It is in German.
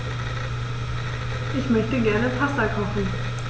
Ich möchte gerne Pasta kochen.